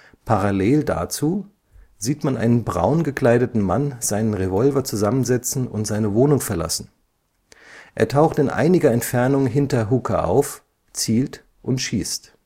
Parallel dazu sieht man einen braun gekleideten Mann seinen Revolver zusammensetzen und seine Wohnung verlassen. Er taucht in einiger Entfernung hinter Hooker auf, zielt und schießt